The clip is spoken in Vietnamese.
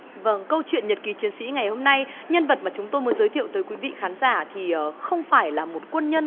vầng câu chuyện nhật ký chiến sĩ ngày hôm nay nhân vật mà chúng tôi muốn giới thiệu tới quý vị khán giả thì không phải là một quân nhân